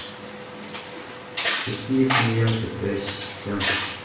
какие клиенты ты ассистент